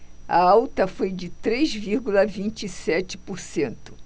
a alta foi de três vírgula vinte e sete por cento